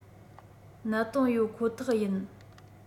གནད དོན ཡོད ཁོ ཐག ཡིན